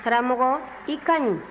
karamɔgɔ i ka ɲi